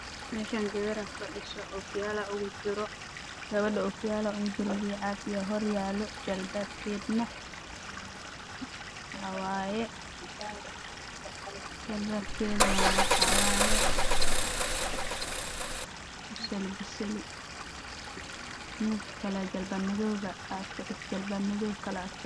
Meeshaan waxaa fadhiyo gabar